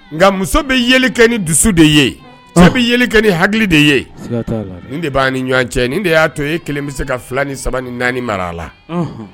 Nka muso bɛ yɛlɛ kɛ ni dusu de ye a bɛ ye kɛ ni hakili de ye de b' ni ɲɔgɔn cɛ ni de y'a to e kelen bɛ se ka fila ni saba ni naani mara la